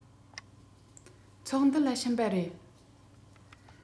ཚོགས འདུ ལ ཕྱིན པ རེད